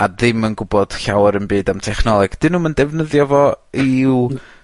a ddim yn gwbod llawer 'im byd am technoleg. 'Dyn nwm yn defnyddio fe i'w...